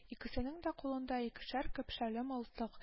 Икесенең дә кулында икешәр көпшәле мылтык